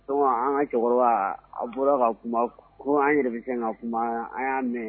Sɔn an ka cɛkɔrɔba a bɔra ka an yɛrɛ bɛ kɛ ka kuma an y'a mɛn